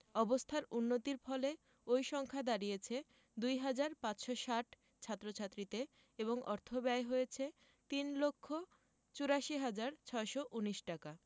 অবস্থার উন্নতির ফলে ওই সংখ্যা দাঁড়িয়েছে ২ হাজার ৫৬০ ছাত্রছাত্রীতে এবং অর্থব্যয় হয়েছে ৩ লক্ষ ৮৪ হাজার ৬১৯ টাকা